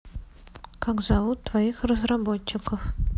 как зовут твоих разработчиков